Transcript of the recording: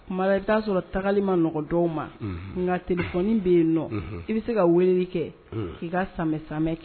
tuma dɔw la , i bɛ t'a sɔrɔ tagali ma nɔgɔ dɔw ma, unhun,, nka téléphone bɛ yen nɔ, unhun, i bɛ se ka weele kɛ k'i ka san sanmɛ kɛ